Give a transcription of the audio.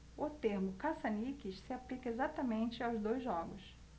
o termo caça-níqueis se aplica exatamente aos dois jogos